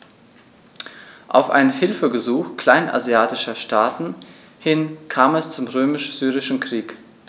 Auf ein Hilfegesuch kleinasiatischer Staaten hin kam es zum Römisch-Syrischen Krieg.